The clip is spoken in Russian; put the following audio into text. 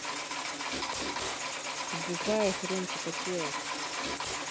ты глухая хрен чикатило